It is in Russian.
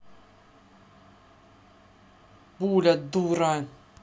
пуля дура